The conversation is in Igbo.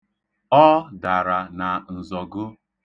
Ọ dara na nzọgo.